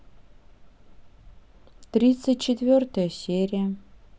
тридцать четвертая серия